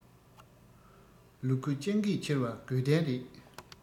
ལུ གུ སྤྱང ཀིས འཁྱེར བ དགོས བདེན རེད